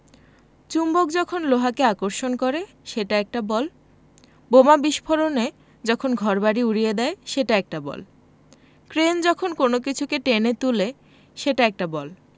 চুম্বক যখন লোহাকে আকর্ষণ করে সেটা একটা বল বোমা বিস্ফোরণে যখন ঘরবাড়ি উড়িয়ে দেয় সেটা একটা বল ক্রেন যখন কোনো কিছুকে টেনে তুলে সেটা একটা বল